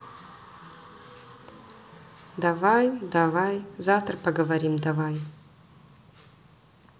давай давай завтра поговорим давай